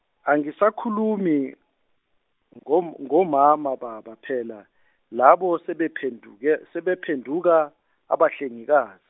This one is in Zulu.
angisakhulumi ngom- ngomama, baba, phela labo sebephenduke- sebaphenduka abahlengikaz-.